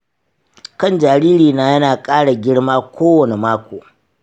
kan jaririna yana ƙara girma kowane mako.